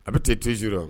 A bɛ taa tez rɔ